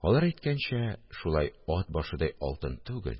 Алар әйткәнчә, шулай «ат башыдай алтын» түгел